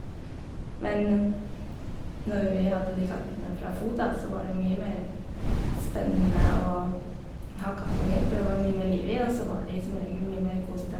Men når vi hadde de kattene fra FOD da, så var det mye mer spennende å ha kattunger, for de var det mye mer liv i og så var de som regel mye mer kosete.